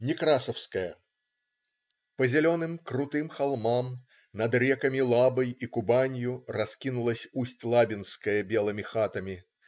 Некрасовская По зеленым, крутым холмам над реками Лабой и Кубанью раскинулась Усть-Лабинская белыми хатами.